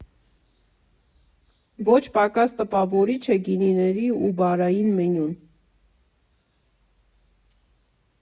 Ոչ պակաս տպավորիչ է գինիների ու բարային մենյուն.